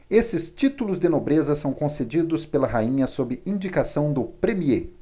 esses títulos de nobreza são concedidos pela rainha sob indicação do premiê